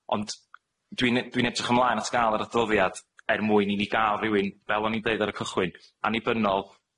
ond dwi'n e- dwi'n edrych ymlaen at ga'l yr adroddiad er mwyn i ni ga'l rywun, fel o'n i'n deud ar y cychwyn, annibynnol